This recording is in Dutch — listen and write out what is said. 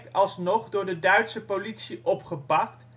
alsnog door de Duitse politie opgepakt